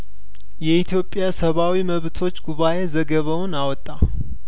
የኢትዮጵያ ሰብአዊ መብቶች ጉባኤ ዘገባውን አወጣ